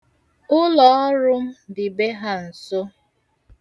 Ụlọọrụ m dị be ha nso.